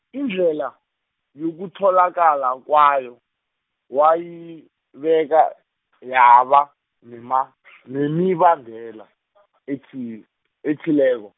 indlela, yokutholakala kwayo, wayibeka, yaba, nema- nemibandela, ethile-, ethileko.